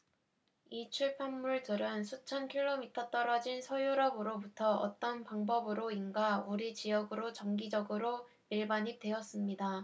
이 출판물들은 수천 킬로미터 떨어진 서유럽으로부터 어떤 방법으로인가 우리 지역으로 정기적으로 밀반입되었습니다